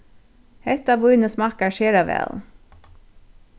hetta vínið smakkar sera væl